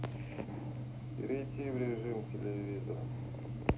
перейти в режим телевизора